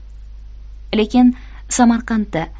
lekin samarqandda